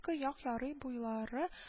Ике як ярый буйлары